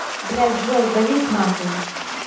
блядь джой завис нахуй